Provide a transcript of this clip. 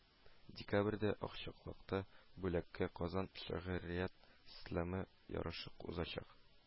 Декабрьдә акчаклыкта бүләккә «казан шәгърият слэмы» ярышы узачак